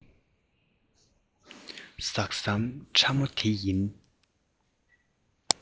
ཐག ཟམ ཕྲ མོ དེ ཡིན